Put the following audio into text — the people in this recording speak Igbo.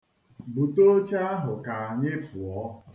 Bute oche ahụ ka anyị pụọ.